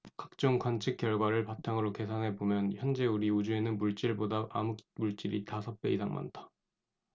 각종 관측 결과를 바탕으로 계산해 보면 현재 우리 우주에는 물질보다 암흑물질이 다섯 배 이상 많다